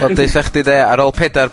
Wel deuthach chdi be' ar ôl pedair